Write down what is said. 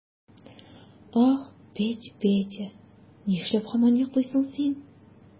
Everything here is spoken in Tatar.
Ах, Петя, Петя, нишләп һаман йоклыйсың син?